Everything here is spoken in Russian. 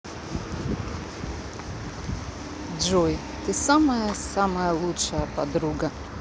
джой ты самая самая лучшая подруга